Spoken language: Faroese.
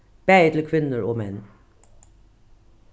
bæði til kvinnur og menn